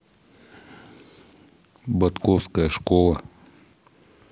ботковская школа